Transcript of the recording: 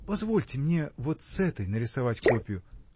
— Позвольте мне вот с этой нарисовать копию!